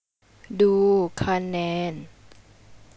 ดูคะแนน